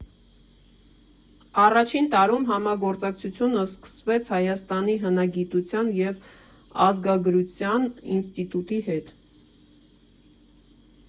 Առաջին տարում համագործակցությունը սկսվեց Հայաստանի հնագիտության և ազգագրության ինստիտուտի հետ։